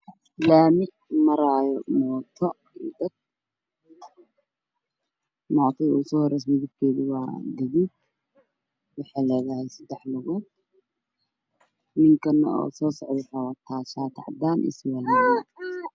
Halkaan waxaa iiga muuqda darbi kalarkisu yahay qaxwi iyo baluug waxaa kala oo iiga muuqda niman askar ah